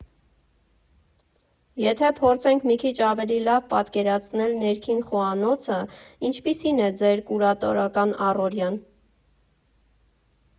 Եթե փորձենք մի քիչ ավելի լավ պատկերացնել ներքին խոհանոցը, ինչպիսի՞ն է ձեր կուրատորական առօրյան։